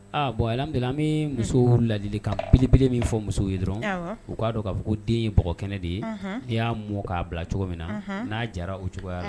Aaa bɔn adu bɛ muso ladi ka bbele min fɔ musow ye dɔrɔn u k'a dɔn k'a fɔ ko den ye b kɛnɛ de ye n'i y'a mɔ k'a bila cogo min na n'a jara u cogoyayara